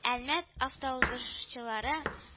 Әлмәт автоузышчылары